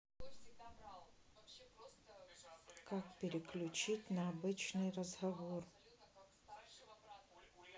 как переключить на обычный разговор